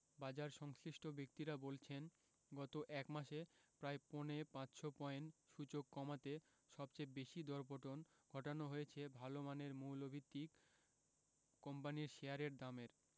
বাজারসংশ্লিষ্ট ব্যক্তিরা বলছেন গত এক মাসে প্রায় পৌনে ৫০০ পয়েন্ট সূচক কমাতে সবচেয়ে বেশি দরপতন ঘটানো হয়েছে ভালো মানের মৌলভিত্তির কোম্পানির শেয়ারের দামের